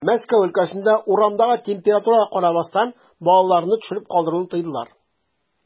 Мәскәү өлкәсендә, урамдагы температурага карамастан, балаларны төшереп калдыруны тыйдылар.